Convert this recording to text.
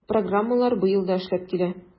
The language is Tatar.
Программалар быел да эшләп килә.